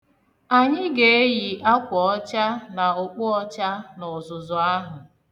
Anyị ga-eyi akwa ọcha na okpu ọcha n'ọzụzụ ahụ.